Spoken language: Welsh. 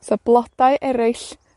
So blodau ereill